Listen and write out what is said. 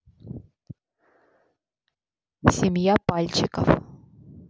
семья пальчиков